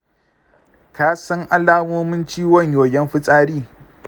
ka san alamomin ciwon yoyon fitsari?